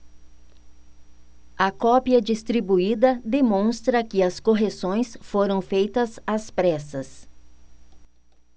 a cópia distribuída demonstra que as correções foram feitas às pressas